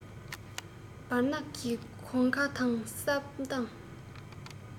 སྦར ནག གི གོང ཁ དང སྲབ གདང